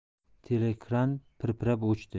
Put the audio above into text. teleekran pirpirab o'chdi